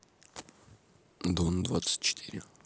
дон двадцать четыре